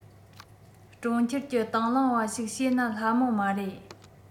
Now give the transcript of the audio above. གྲོང ཁྱེར གྱི དང བླངས པ ཞིག བྱེད ན སླ མོ མ རེད